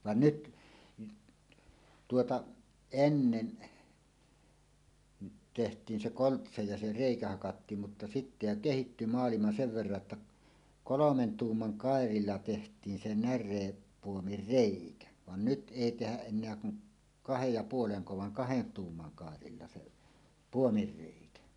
vaan nyt tuota ennen tehtiin se koltsa ja se reikä hakattiin mutta sitten jo kehittyi maailma sen verran jotta kolmen tuuman kairalla tehtiin se närepuomin reikä vaan nyt ei tehdä enää kuin kahden ja puolen vaan kahden tuuman kairalla se puomin reikä